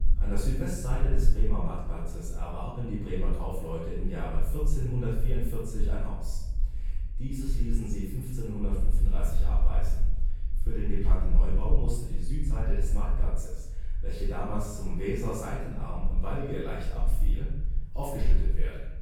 An der Südwestseite des Bremer Marktplatzes erwarben die Bremer Kaufleute im Jahre 1444 ein Haus. Dieses ließen sie 1535 abreißen. Für den geplanten Neubau musste die Südseite des Marktplatzes, welche damals zum Weserseitenarm Balge leicht abfiel, aufgeschüttet werden